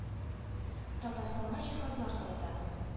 Татарстанга хаҗилар кайта.